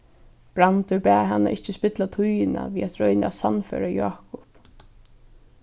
brandur bað hana ikki spilla tíðina við at royna at sannføra jákup